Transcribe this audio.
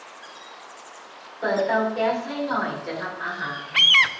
เปิดเตาแก๊สให้หน่อยจะทำอาหาร